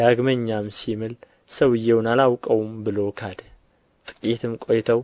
ዳግመኛም ሲምል ሰውየውን አላውቀውም ብሎ ካደ ጥቂትም ቈይተው